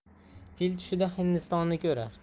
fil tushida hindistonni ko'rar